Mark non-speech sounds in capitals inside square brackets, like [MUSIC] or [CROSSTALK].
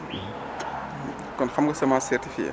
[NOISE] kon xam nga semence certifiée